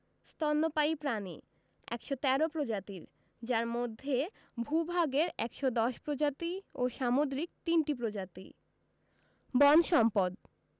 স্তন্যপায়ী প্রাণী ১১৩ প্রজাতির যার মধ্যে ভূ ভাগের ১১০ প্রজাতি ও সামুদ্রিক ৩ টি প্রজাতি বন সম্পদঃ